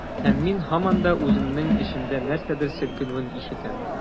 Һәм мин һаман да үземнең эчемдә нәрсәдер селкенүен ишетәм.